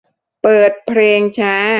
เปิดเพลงช้า